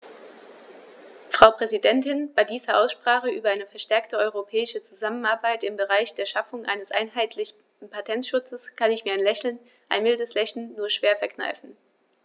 Frau Präsidentin, bei dieser Aussprache über eine verstärkte europäische Zusammenarbeit im Bereich der Schaffung eines einheitlichen Patentschutzes kann ich mir ein Lächeln - ein mildes Lächeln - nur schwer verkneifen.